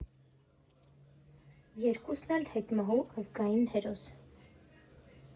Երկուսն էլ՝ հետմահու ազգային հերոս։